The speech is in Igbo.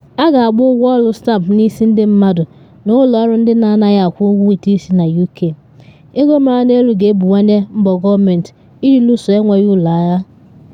A ga-agba ụgwọ ọrụ stampụ n’isi ndị mmadụ na ụlọ ọrụ ndị na anaghị akwụ ụgwọ ụtụ isi na UK, ego mara n’elu ga-ebuwanye mbọ Gọọmentị iji luso enweghị ụlọ agha.